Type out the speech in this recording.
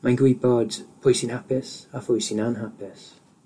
Mae'n gwybod pwy sy'n hapus a phwy sy'n anhapus.